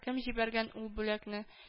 Кем җибәргән ул бүләкне